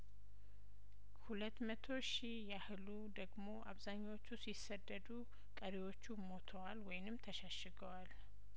ሁለት መቶ ሺ ያህሉ ደግሞ አብዛኛዎቹ ሲሰደዱ ቀሪዎቹ ሞተዋል ወይንም ተሸሽገዋል